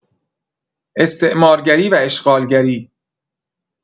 استعمارگری و اشغالگری